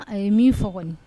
Ye min fɔ kɔni